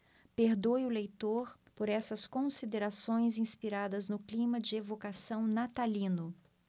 perdoe o leitor por essas considerações inspiradas no clima de evocação natalino